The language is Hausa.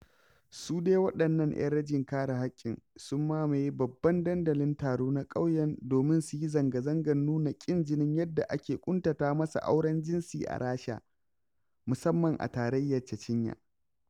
Su dai waɗannan 'yan rajin kare haƙƙin sun mamaye babban dandalin taro na ƙauyen domin su yi zanga-zangar nuna ƙin jinin yadda ake ƙuntatawa masu auren jinsi a Rasha, musamman a tarayyar Chechnya.